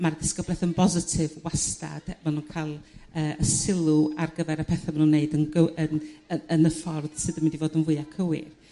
ma'r ddisgyblaeth yn bositif wastad ma' nhw ca'l yrr y sylw ar gyfer y pethau ma nhw'n wneud yn gyw- yn yrr yn y ffordd sydd yn mynd i fod yn fwya cywir.